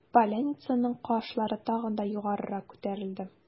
Поляницаның кашлары тагы да югарырак күтәрелде.